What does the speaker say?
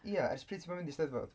Ia ers pryd ti 'di bod mynd i 'Steddfod?